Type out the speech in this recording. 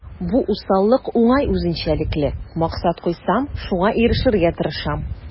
Бу усаллык уңай үзенчәлекле: максат куйсам, шуңа ирешергә тырышам.